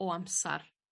o amsar